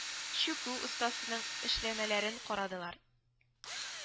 Чүкү остасының эшләнмәләрен карадылар